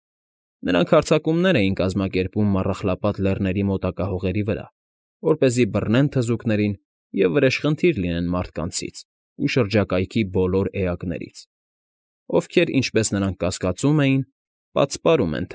Նարքն հարձակումներ էին կազմակերպում մառախլապատ Լեռների մոտակա հողերի վրա, որպեսզի բռնեն թզուկներին և վրեժխնդիր լինեն մարդկանցից ու շրջակայքի բոլոր էակներից, ովքեր, ինչպես նրաքն կասկածում էին, պատսպարում են։